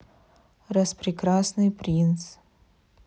распрекрасный принц